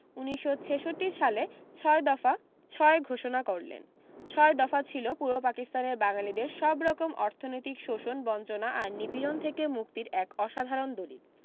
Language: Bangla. ১৯৬৬ সালে ৬ দফা ৬ ঘোষণা করলেন ছয় দফা ছিল পূর্ব পাকিস্তানের বাঙালিদের সবরকম অর্থনৈতিক শোষণ বঞ্চনা আর নিপীড়ন থেকে মুক্তির এক অসাধারণ দলিল